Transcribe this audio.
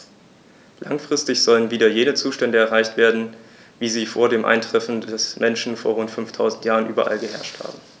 Langfristig sollen wieder jene Zustände erreicht werden, wie sie vor dem Eintreffen des Menschen vor rund 5000 Jahren überall geherrscht haben.